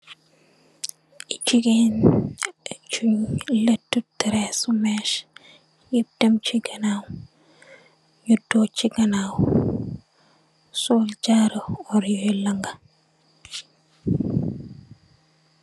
Jegain ju latou terese mess nyep dem che ganaw nu tonge che ganaw sol jaaru orr yuy laga.